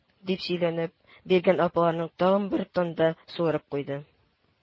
" дип сөйләнеп, биргән апараны тагы бер тында суырып куйды